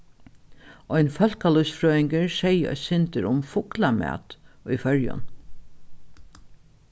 ein fólkalívsfrøðingur segði eitt sindur um fuglamat í føroyum